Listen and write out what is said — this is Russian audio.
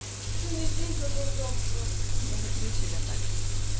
я люблю тебя так